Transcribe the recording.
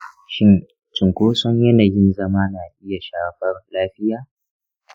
shin cunkoson yanayin zama na iya shafar lafiya?